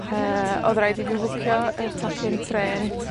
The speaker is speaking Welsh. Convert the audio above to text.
Yy odd raid i fi fwcio yr tocyn trên